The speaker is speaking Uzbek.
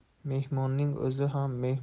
mehmonning o'zi ham